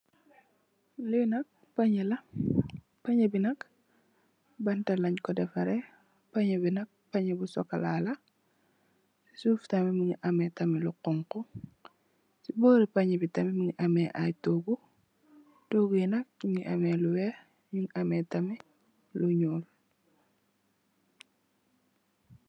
Li nak pañe la, pañe bi nak bant lañ ko defaree. Pañe bi nak pañe bu sokola la, si suuf tamit mugii ameh lu xonxu, si bóri pañe mugii ameh ay tóógu, tóógu yi nak ñu ngi ameh lu wèèx mugii ameh tamit lu ñuul.